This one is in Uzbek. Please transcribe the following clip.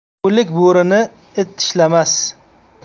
o'lik bo'rini it tishlamas